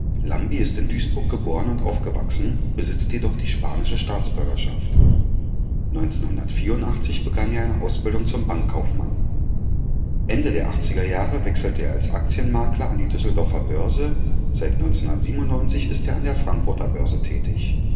Llambi ist in Duisburg geboren und aufgewachsen, besitzt jedoch die spanische Staatsbürgerschaft. 1984 begann er eine Ausbildung zum Bankkaufmann. Ende der 1980er Jahre wechselte er als Aktienmakler an die Düsseldorfer Börse, seit 1997 ist er an der Frankfurter Börse tätig